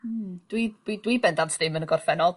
Hmm dwi dwi dwi bendant ddim yn y gorffennol.